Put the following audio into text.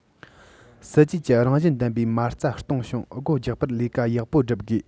སྲིད ཇུས ཀྱི རང བཞིན ལྡན པའི མ རྩ སྟོངས ཤིང སྒོ རྒྱག པར ལས ཀ ཡག པོ བསྒྲུབ དགོས